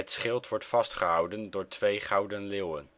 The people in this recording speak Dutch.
schild wordt vastgehouden door twee gouden leeuwen